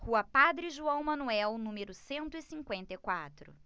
rua padre joão manuel número cento e cinquenta e quatro